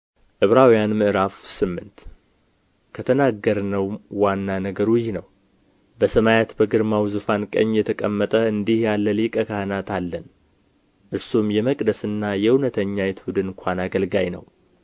ዕብራውያን ምዕራፍ ስምንት ከተናገርነውም ዋና ነገሩ ይህ ነው በሰማያት በግርማው ዙፋን ቀኝ የተቀመጠ እንዲህ ያለ ሊቀ ካህናት አለን እርሱም የመቅደስና የእውነተኛይቱ ድንኳን አገልጋይ ነው